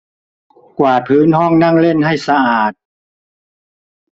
กวาดพื้นห้องนั่งเล่นให้สะอาด